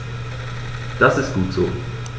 Das ist gut so.